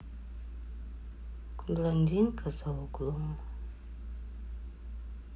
блондинка за углом